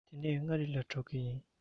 དེ ནས མངའ རིས ལ འགྲོ གི ཡིན